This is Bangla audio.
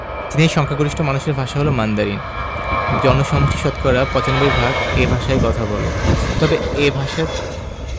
চীনের সংখ্যাগরিষ্ঠ মানুষের ভাষা হলো মান্দারিন জনসমষ্টির শতকরা ৯৫ ভাগ এ ভাষায় কথা বলে তবে এ ভাষা